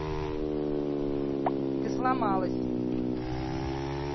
ты сломалась